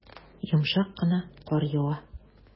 Йомшак кына кар ява.